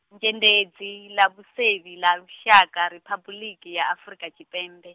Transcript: dzhendedzi ḽa vhusevhi, ḽa lushaka Riphabuḽiki ya Afrika Tshipembe.